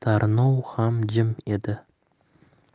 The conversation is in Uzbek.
tarnov ham jim edi